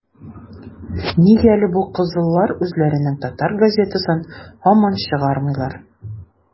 - нигә әле бу кызыллар үзләренең татар газетасын һаман чыгармыйлар?